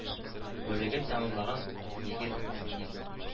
Бүлеген тәмамлаган егерь вәкил